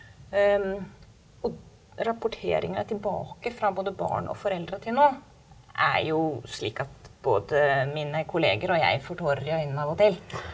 rapporteringa tilbake fra både barn og foreldre til nå er jo slik at både mine kolleger og jeg får tårer i øynene av og til.